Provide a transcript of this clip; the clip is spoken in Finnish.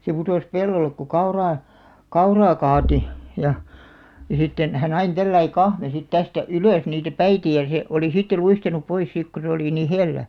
se putosi pellolle kun kauraa kauraa kaatoi ja ja sitten hän aina tällä lailla kahmi sitten tästä ylös niitä päitä ja se oli sitten luistanut pois siksi kun se oli niin hellä